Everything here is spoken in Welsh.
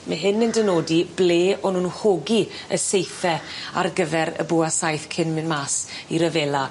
Ma' hyn yn dynodi ble o'n nw'n hogi y seithe ar gyfer y bwa saeth cyn myn' mas i ryfela.